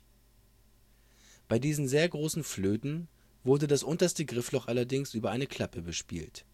Bei diesen sehr großen Flöten wurde das unterste Griffloch allerdings über eine Klappe bespielt